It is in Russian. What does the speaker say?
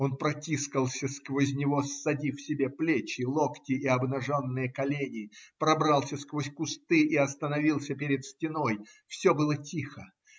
Он протискался сквозь него, ссадив себе плечи, локти и обнаженные колени, пробрался сквозь кусты и остановился перед стеной. Все было тихо